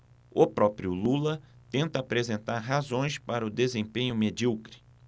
o próprio lula tenta apresentar razões para o desempenho medíocre